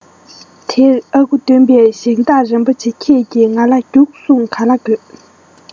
དེར ཨ ཁུ སྟོན པས ཞིང བདག རིན པོ ཆེ ཁྱེད ཀྱི ང ལ རྒྱུགས སོང ག ལ དགོས